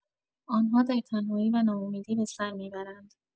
آنها در تنهایی و ناامیدی به سر می‌برند.